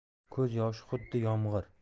ko'z yoshi xuddi yomg'ir